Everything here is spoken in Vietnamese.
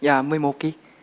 dạ mười một kí